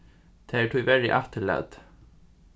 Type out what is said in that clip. tað er tíverri afturlatið